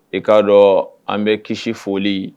I k'a dɔn an bɛ kisi foli